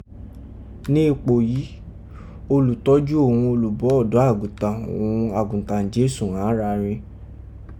Ni ipo yii, olutoju òghun olubọ́ odo agutan òghun agutan Jesu án gha rin.